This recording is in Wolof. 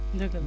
dëgg la